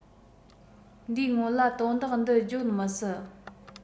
འདིའི སྔོན ལ དོན དག འདི བརྗོད མི སྲིད